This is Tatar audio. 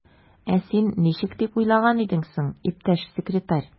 Ә син ничек дип уйлаган идең соң, иптәш секретарь?